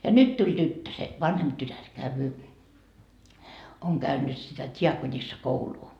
ja nyt tuli tyttö se vanhempi tytär käy on käynyt sitä diakonissakoulua